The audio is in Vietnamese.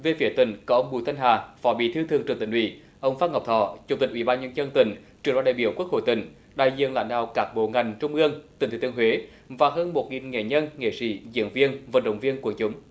về phía tỉnh có ông bùi thanh hà phó bí thư thường trực tỉnh ủy ông phan ngọc thọ chủ tịch ủy ban nhân dân tỉnh trưởng đoàn đại biểu quốc hội tỉnh đại diện lãnh đạo các bộ ngành trung ương tỉnh thừa thiên huế và hơn một nghìn nghệ nhân nghệ sĩ diễn viên vận động viên quần chúng